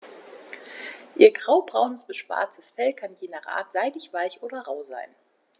Ihr graubraunes bis schwarzes Fell kann je nach Art seidig-weich oder rau sein.